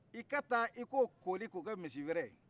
i ka taa i k'o kooli k'o kɛ misi wɛrɛ ye